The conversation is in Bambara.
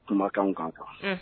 Kumakan kan kan